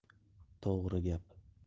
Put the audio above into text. to'g'ri gap